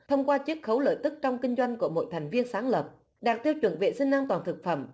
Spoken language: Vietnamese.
thông qua chiết khấu lợi tức trong kinh doanh của mỗi thành viên sáng lập đạt tiêu chuẩn vệ sinh an toàn thực phẩm